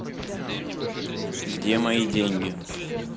где мои деньги